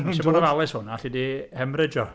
Mae isio bod yn ofalus efo hwnna, alli di hemryjo